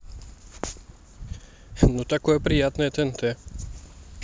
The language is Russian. ну такое приятное тнт